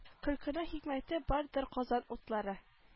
Көлкенең хикмәте бардыр казан утлары